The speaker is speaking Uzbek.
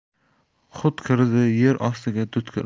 hut kirdi yer ostiga dud kirdi